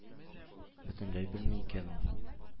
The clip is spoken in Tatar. Бөтенләй белми икән ул.